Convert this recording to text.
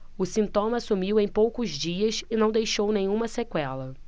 o sintoma sumiu em poucos dias e não deixou nenhuma sequela